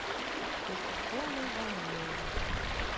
кока кола ванила